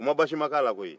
u ma basima k'a la koyi